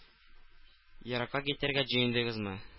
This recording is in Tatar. Еракка китәргә җыендыгызмы?